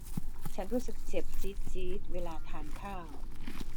ฉันรู้สึกเจ็บจี๊ดจี๊ดเวลาทานข้าว